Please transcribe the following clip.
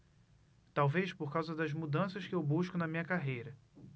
talvez por causa das mudanças que eu busco na minha carreira